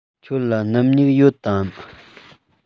ཁྱོད ལ སྣུམ སྨྱུག ཡོད དམ